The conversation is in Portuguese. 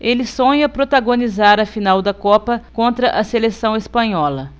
ele sonha protagonizar a final da copa contra a seleção espanhola